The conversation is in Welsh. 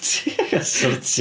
Ti angen sortio...